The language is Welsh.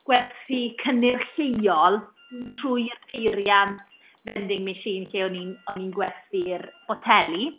Gwerthu cynnyrch lleol trwy'r peiriant vending machine lle o'n i'n o'n i'n gwerthu'r boteli.